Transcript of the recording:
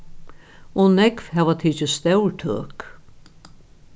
og nógv hava tikið stór tøk